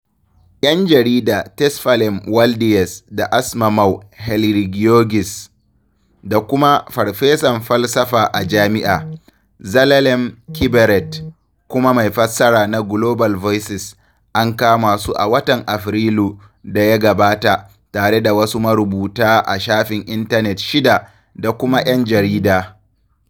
‘Yan jarida, Tesfalem Waldyes da Asmamaw Hailegiorgis, da kuma farfesan falsafa a jami’a, Zelalem Kiberet, kuma mai fassara na Global Voices, an kama su a watan Afrilun da ya gabata, tare da wasu marubuta a shafin intanet shida da kuma ‘yan jarida.